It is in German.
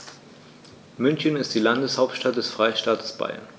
München ist die Landeshauptstadt des Freistaates Bayern.